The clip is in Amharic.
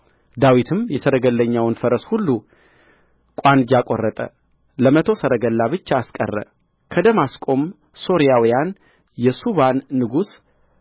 ዳዊትም የሰረገለኛውን ፈረስ ሁሉ ቋንጃ ቈረጠ ለመቶ ሰረገላ ብቻ አስቀረ ከደማስቆም ሶርያውያን የሱባን ንጉሥ